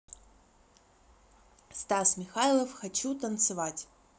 стас михайлов хочу танцевать